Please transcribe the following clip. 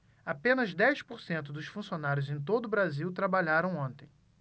apenas dez por cento dos funcionários em todo brasil trabalharam ontem